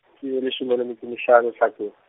ke, leshome le metso e mehlano Hlako.